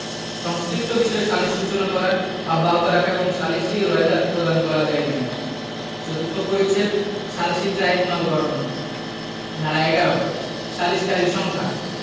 সংশ্লিষ্ট বিষয়ে সালিস সূচনা করা অব্যাহত রাখা এবং সালিসী রোয়েদাদ প্রদান করা যাইবে চতুর্থ পরিচ্ছেদ সালিসী ট্রাইব্যুনাল গঠন ধারা ১১ সালিসকারীর সংখ্যা